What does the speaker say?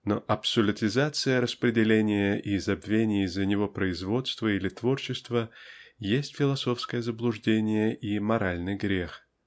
Но абсолютизация распределения и забвение из-за него производства или творчества есть философское заблуждение и моральный грех.